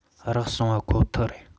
རག བྱུང པ ཁོ ཐག རེད